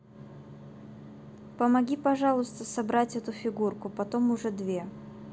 помоги пожалуйста собрать эту фигуру потом уже две